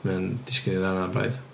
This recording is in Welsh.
Mae o'n disgyn i ddarnau braidd.